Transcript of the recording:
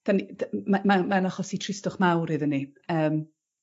'dan ni d- n- mae mae o'n achosi tristwch mawr iddon ni yym